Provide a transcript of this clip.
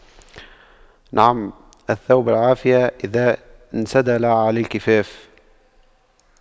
نعم الثوب العافية إذا انسدل على الكفاف